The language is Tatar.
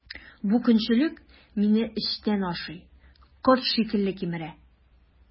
Бу көнчелек мине эчтән ашый, корт шикелле кимерә.